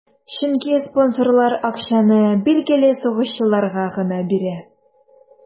Чөнки спонсорлар акчаны билгеле сугышчыларга гына бирә.